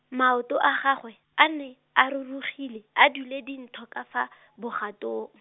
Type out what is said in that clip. maoto a gagwe, a ne, a rurugile, a dule dintho ka fa , bogatong.